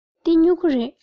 འདི སྨྱུ གུ རེད